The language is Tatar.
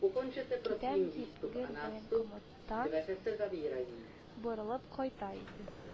Китәм дип, гел военкоматтан борылып кайта иде